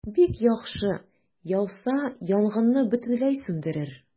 Бик яхшы, яуса, янгынны бөтенләй сүндерер.